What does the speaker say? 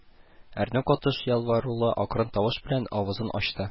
Әрнү катыш ялварулы акрын тавыш белән авызын ачты: